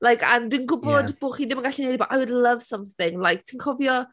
Like, I'm... Dwi'n gwbod... Ie. ...bo' chi ddim yn gallu wneud e but I would love something like... Ti'n cofio...